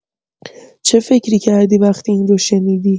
چه فکری کردی وقتی این رو شنیدی؟